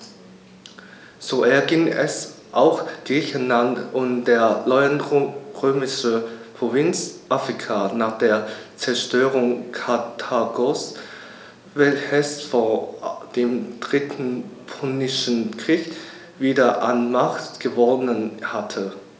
So erging es auch Griechenland und der neuen römischen Provinz Afrika nach der Zerstörung Karthagos, welches vor dem Dritten Punischen Krieg wieder an Macht gewonnen hatte.